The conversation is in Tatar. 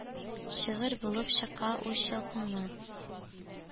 Шигырь булып чыга үч ялкыны